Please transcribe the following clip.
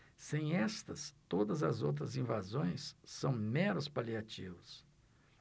sem estas todas as outras invasões são meros paliativos